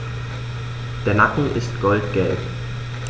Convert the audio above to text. Der Nacken ist goldgelb.